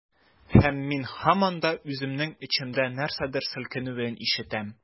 Һәм мин һаман да үземнең эчемдә нәрсәдер селкенүен ишетәм.